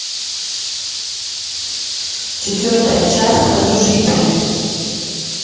четвертая часть разрушители